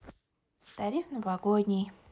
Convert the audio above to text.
тариф новогодний